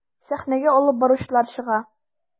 Сәхнәгә алып баручылар чыга.